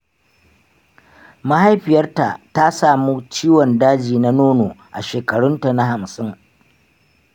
mahaifiyarta ta samu ciwon daji na nono a shekarunta na hamsin.